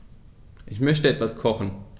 Ich möchte etwas kochen.